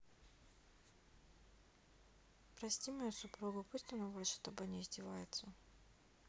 прости мою супругу пусть она больше с тобой не издевается